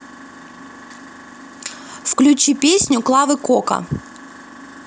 включи песню клавы кока